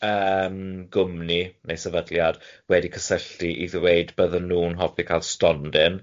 Yym, gwmni neu sefydliad wedi cysylltu i ddweud bydden nhw'n hoffi cael stondin.